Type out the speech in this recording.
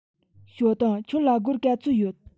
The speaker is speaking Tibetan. ཞའོ ཏུང ཁྱོད ལ སྒོར ག ཚོད ཡོད